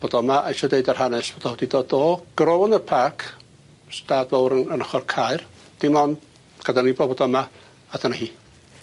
bod o 'ma a isio deud yr hanes bod o 'di dod o groyn y parc stad fowr yng- yn ochor Caer dim ond gadal ni gwbod bod o 'ma, a dyna hi.